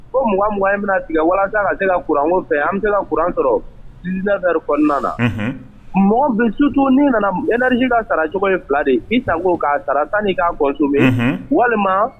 Ko mugan mugan bɛna tigɛ walasa ka se ka courant ko fɛn, an bɛ se ka courant sɔrɔr 19 heures kɔnɔna na, unhun, mɔgɔ bɛ surtout ni nana énergie ka saracogo ye fila de ye i sago ka sara yani i ka consommer walima